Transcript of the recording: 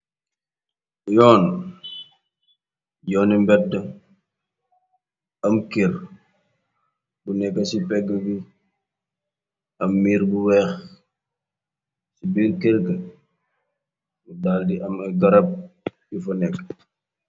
Yoon, yooni mbeda, am keer bu nekk ci pegg bi, am miir bu weex, ci birr keer ga mu dal di am garab yu fa nekk.